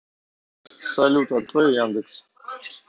салют открой яндекс